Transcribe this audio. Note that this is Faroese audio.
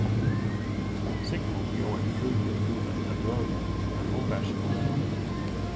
sigmund bjóðaði fríðu út at eta døgurða men hon bar seg undan